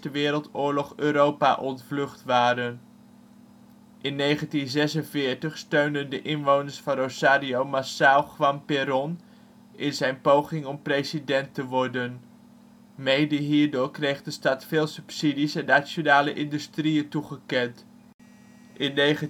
Wereldoorlog Europa ontvlucht waren. In 1946 steunden de inwoners van Rosario massaal Juan Perón in zijn poging om president te worden. Mede hierdoor kreeg de stad veel subsidies en nationale industrieën toegekend. In 1969